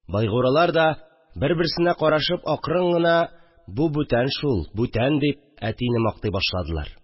Байгуралар да, бер-берсенә карашып, акрын гына: «Бу бүтән шул, бүтән!» – дип, әтине мактый башладылар